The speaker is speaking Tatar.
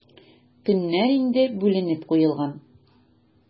Көннәр инде бүленеп куелган.